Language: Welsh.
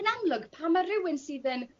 yn amlwg pan ma' rywun sydd yn